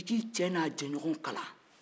i k'i cɛ n'a jɛɲɔgɔnw kala